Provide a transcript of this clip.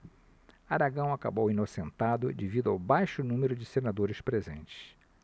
aragão acabou inocentado devido ao baixo número de senadores presentes